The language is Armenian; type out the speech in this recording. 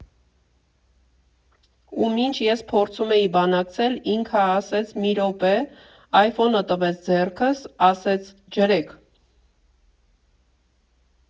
Ու մինչ ես փորձում էի բանակցել, ինքը ասեց՝ «Մի րոպե», այֆոնը տվեց ձեռքս, ասեց՝ «Ջրե՜ք»։